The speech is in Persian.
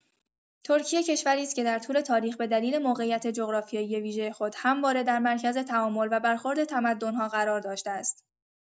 ترکیه کشوری است که در طول تاریخ به دلیل موقعیت جغرافیایی ویژه خود همواره در مرکز تعامل و برخورد تمدن‌ها قرار داشته است.